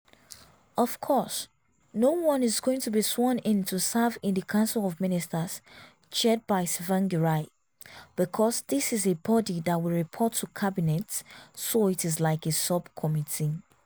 Of course, no one is going to be sworn in to serve in the Council of Ministers (Chaired by Tsvangirai), because this is a body that will report to cabinet, so it is like a sub-committee.